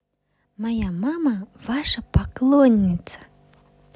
моя мама ваша поклонница